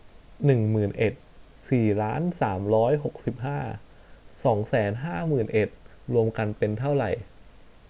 หนึ่งหมื่นเอ็ดสี่ล้านสามร้อยหกสิบห้าสองแสนห้าหมื่นเอ็ดรวมกันเป็นเท่าไหร่